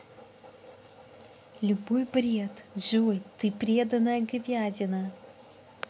любой бред джой ты преданная говядина